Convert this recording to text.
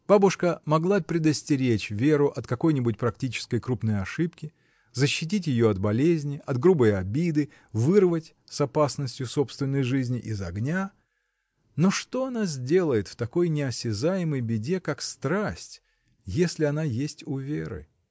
Бабушка могла предостеречь Веру от какой-нибудь практической крупной ошибки, защитить ее от болезни, от грубой обиды, вырвать, с опасностью собственной жизни, из огня: но что она сделает в такой неосязаемой беде, как страсть, если она есть у Веры?